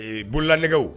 Ee bololanɛgɛw